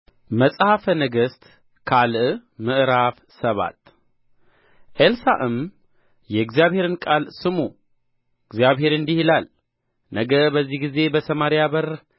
መጽሐፈ ነገሥት ካልዕ ምዕራፍ ሰባት ኤልሳዕም የእግዚአብሔርን ቃል ስሙ እግዚአብሔር እንዲህ ይላል ነገ በዚህ ጊዜ በሰማርያ በር